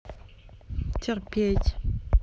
терпеть